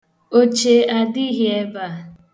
Oche adịghị ebea.